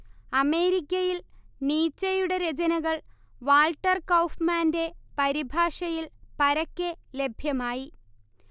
അമേരിക്കയിൽ നീച്ചയുടെ രചനകൾ വാൾട്ടർ കൗഫ്മാന്റെ പരിഭാഷയിൽ പരക്കെ ലഭ്യമായി